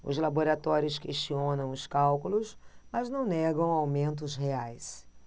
os laboratórios questionam os cálculos mas não negam aumentos reais